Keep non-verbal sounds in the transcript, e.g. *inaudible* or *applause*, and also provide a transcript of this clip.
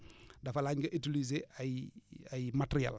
*breath* dafa laaj nga utiliser ay ay matériels